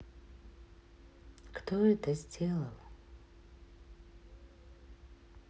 кто это сделал